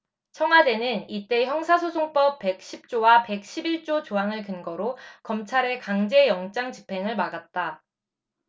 청와대는 이때 형사소송법 백 십 조와 백 십 일 조 조항을 근거로 검찰의 강제 영장집행을 막았다